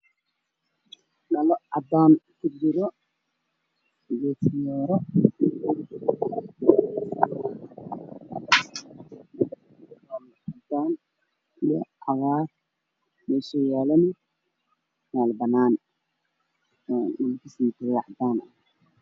Waxaa ii muuqda saaran dhalo waa ku jiro ubaxa midabkiisu yahay cagaar miiska wasaaran yahay waa caddaan derbiga waa caddaan